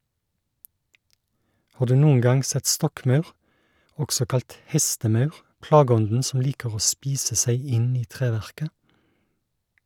Har du noen gang sett stokkmaur, også kalt hestemaur, plageånden som liker å spise seg inn i treverket?